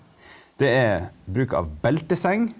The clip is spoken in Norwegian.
det er bruk av belteseng.